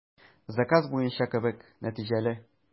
Заказ буенча кебек, нәтиҗәле.